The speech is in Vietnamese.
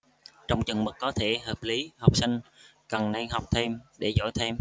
trong chừng mực có thể hợp lý học sinh cần nên học thêm để giỏi thêm